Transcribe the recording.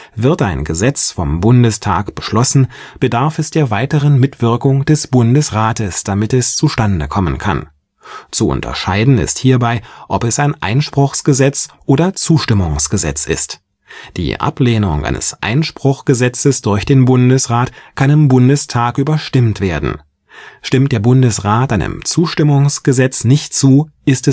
Wird ein Gesetz vom Bundestag beschlossen, bedarf es der weiteren Mitwirkung des Bundesrates, damit es zustande kommen kann. Zu unterscheiden ist hierbei, ob es ein Einspruchsgesetz oder Zustimmungsgesetz ist. Die Ablehnung eines Einspruchgesetzes durch den Bundesrat kann im Bundestag überstimmt werden. Stimmt der Bundesrat einem Zustimmungsgesetz nicht zu, ist